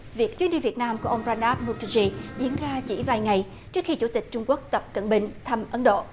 việc chuyến đi việt nam của ông ra rát mu chi diễn ra chỉ vài ngày trước khi chủ tịch trung quốc tập cận bình thăm ấn độ